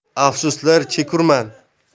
afsuslar chekurman